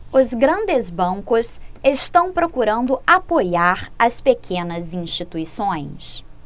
os grandes bancos estão procurando apoiar as pequenas instituições